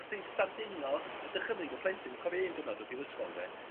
Os ti'n sbarduno y dychymyg y plentyn dwi cofio un diwrnod dod i'r ysgol 'de